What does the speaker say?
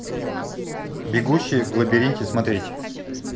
бегущий в лабиринте смотреть